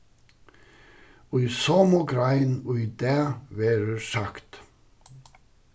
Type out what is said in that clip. í somu grein í dag verður sagt